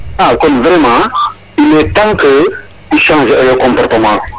A kon vraiment il est temps que i changer oyo comportement